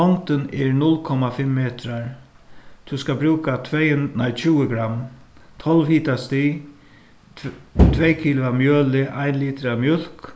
longdin er null komma fimm metrar tú skalt brúka nei tjúgu gramm tólv hitastig tvey kilo av mjøli ein litur av mjólk